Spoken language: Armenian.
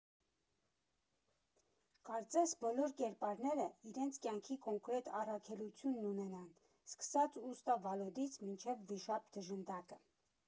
Կարծես բոլոր կերպարները իրենց կյանքի կոնկրետ առաքելությունն ունենան՝ սկսած ուստա Վալոդից մինչև վիշապ Դժնդակը։